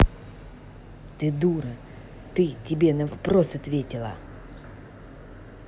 ты дура ты тебе на вопрос ответила